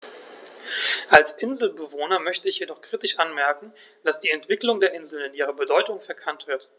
Als Inselbewohner möchte ich jedoch kritisch anmerken, dass die Entwicklung der Inseln in ihrer Bedeutung verkannt wird.